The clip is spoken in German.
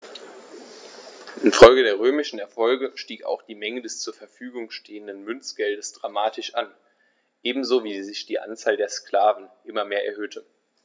Infolge der römischen Erfolge stieg auch die Menge des zur Verfügung stehenden Münzgeldes dramatisch an, ebenso wie sich die Anzahl der Sklaven immer mehr erhöhte.